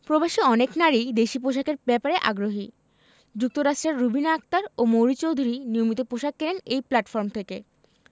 প্রবাসী অনেক নারীই দেশি পোশাকের ব্যাপারে আগ্রহী যুক্তরাষ্ট্রের রুবিনা আক্তার ও মৌরি চৌধুরী নিয়মিত পোশাক কেনেন এই প্ল্যাটফর্ম থেকে